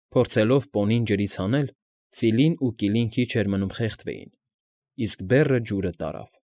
Փորձելով պոնին ջրից հանել՝ Ֆիլին ու Կիլին քիչ էր մնում խեղդվեին, իսկ բեռը ջուրը տարավ։